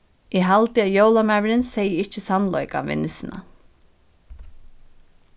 eg haldi at jólamaðurin segði ikki sannleikan við nissuna